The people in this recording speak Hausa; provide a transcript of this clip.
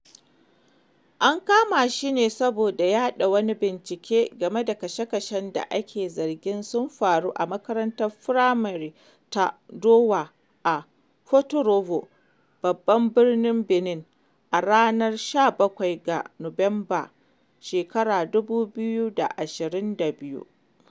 An kama shi ne saboda yaɗa wani bincike game da kashe-kashen da ake zargin sun faru a makarantar firamare ta Dowa a Porto-Novo (babban birnin Benin) a ranar 17 ga Nuwamba, 2022.